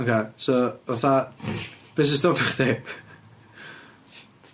Ocê so fatha be' sy stopio chdi?